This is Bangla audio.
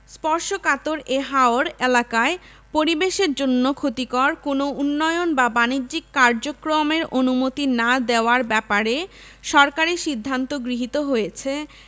স্পর্শকাতর এ হাওর এলাকায় পরিবেশের জন্য ক্ষতিকর কোনো উন্নয়ন বা বাণিজ্যিক কার্যক্রমের অনুমতি না দেওয়ার ব্যাপারে সরকারি সিদ্ধান্ত গৃহীত হয়েছে